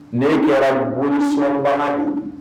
Ne kɛraugu sumabana ye